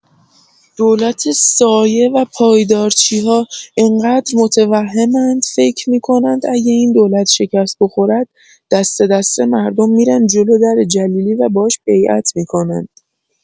دولت سایه و پایدارچی‌ها اینقدر متوهمند فکر می‌کنند اگه این دولت شکست بخورد دسته‌دسته مردم می‌رن جلو در جلیلی و باش بیعت می‌کنند.